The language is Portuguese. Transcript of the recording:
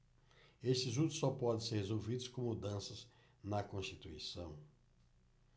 estes últimos só podem ser resolvidos com mudanças na constituição